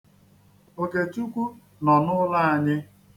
Okechukwu nọ n'ụlọ anyị.